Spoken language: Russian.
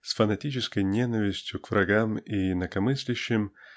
с фанатической ненавистью к врагам и инакомыслящим